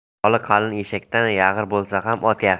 yoli qalin eshakdan yag'ir bo'lsa ham ot yaxshi